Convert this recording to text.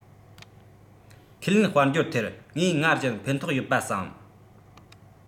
ཁས ལེན དཔལ འབྱོར ཐད ངས སྔར བཞིན ཕན ཐོག ཡོད པ བསམ